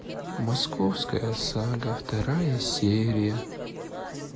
московская сага вторая серия